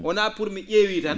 wonaa pour mi ?eewii tan